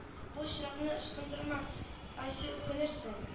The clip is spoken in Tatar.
Бу очракны ычкындырма ася үкенерсең